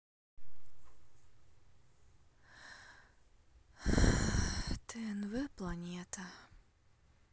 тнв планета